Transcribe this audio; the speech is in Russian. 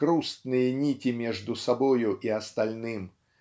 грустные нити между собою и остальным